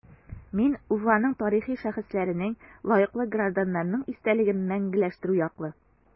Мин Уфаның тарихи шәхесләренең, лаеклы гражданнарның истәлеген мәңгеләштерү яклы.